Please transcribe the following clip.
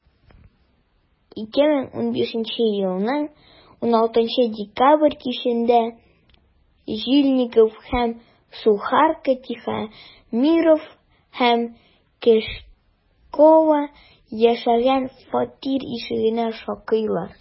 2015 елның 16 декабрь кичендә жильников һәм сухарко тихомиров һәм кешикова яшәгән фатир ишегенә шакыйлар.